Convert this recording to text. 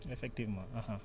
effectivement